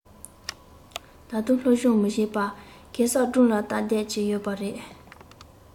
ད དུང སློབ སྦྱོང མི བྱེད པར གེ སར སྒྲུང ལ བལྟས བསྡད ཀྱི ཡོད པ རེད